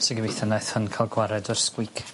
So gobitho naeth hwn ca'l gwared o'r sgwîc.